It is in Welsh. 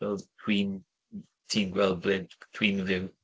Fel dwi'n, n- ti'n gweld ble dwi'n fyw.